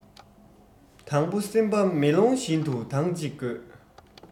དང པོ སེམས པ མེ ལོང བཞིན དུ དྭངས གཅིག དགོས